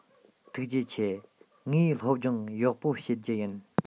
ཐུགས རྗེ ཆེ ངས སློབ སྦྱོང ཡག པོ བྱེད རྒྱུ ཡིན